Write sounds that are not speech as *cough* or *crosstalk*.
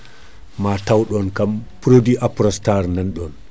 ma tawɗon kam *breath* produit Aprostar nan ɗon